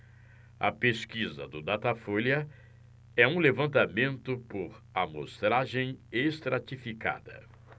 a pesquisa do datafolha é um levantamento por amostragem estratificada